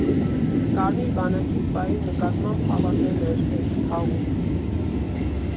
Կարմիր բանակի սպայի նկատմամբ հավատն էլ էր հետը թաղում։